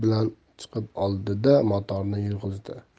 bilan chiqib oldi da motorni yurgizdi